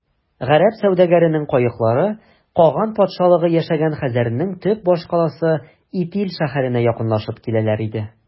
Гарәп сәүдәгәренең каеклары каган патшалыгы яшәгән хәзәрнең төп башкаласы Итил шәһәренә якынлашып киләләр иде.